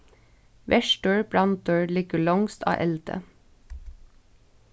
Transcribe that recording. verstur brandur liggur longst á eldi